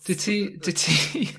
...dwyt ti dwyt ti